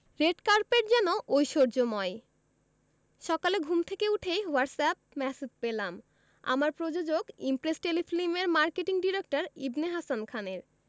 red carpet যেন ঐশ্বর্যময় সকালে ঘুম থেকে উঠেই হোয়াটসঅ্যাপ ম্যাসেজ পেলাম আমার প্রযোজক ইমপ্রেস টেলিফিল্মের মার্কেটিং ডিরেক্টর ইবনে হাসান খানের